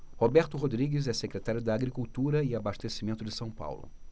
roberto rodrigues é secretário da agricultura e abastecimento de são paulo